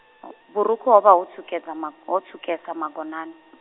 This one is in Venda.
vhurukhu ho vha ho tswukesa ma-, ho tswukesa magonani.